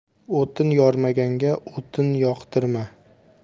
o'tin yormaganga o'tin yoqtirma